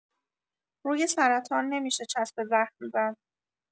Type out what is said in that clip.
روی سرطان نمی‌شه چسب زخم زد